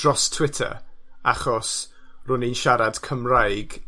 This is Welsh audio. dros Twitter, achos ro'n i'n siarad Cymraeg